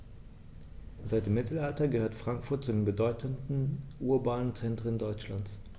Seit dem Mittelalter gehört Frankfurt zu den bedeutenden urbanen Zentren Deutschlands.